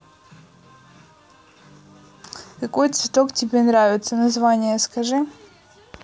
какой цветок тебе нравится название скажи